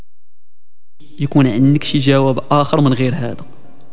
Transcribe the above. يكون انك تجاوب اخر من غير هذا